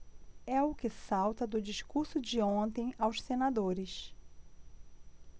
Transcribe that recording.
é o que salta do discurso de ontem aos senadores